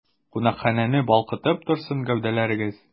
Кунакханәне балкытып торсын гәүдәләрегез!